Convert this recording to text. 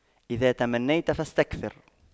إذا تمنيت فاستكثر